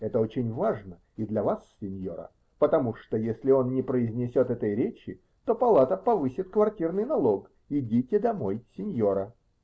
это очень важно и для вас, синьора, потому что если он не произнесет этой речи, то палата повысит квартирный налог, -- идите домой, синьора.